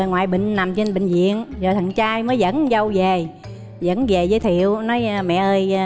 ngoại bệnh nằm trên bệnh diện giờ thằng con trai mới dẫn con dâu dề dẫn dề giới thiệu nói mẹ ơi